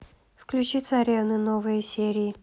включи царевны новые серии